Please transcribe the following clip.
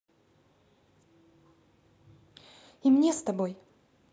и мне с тобой